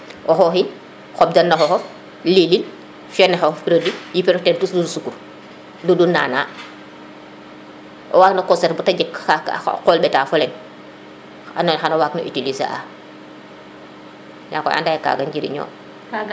o xoxin xob dan na xoxof lilin fiya na xoxof produit yipire teen ludul sukur ludul nana o waag no conserver bata jeg xa qol ɓeta fo leŋ ando naye xano waag no utiliser a yaag koy anda ye ka ga njiriño